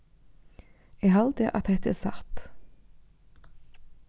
eg haldi at hetta er satt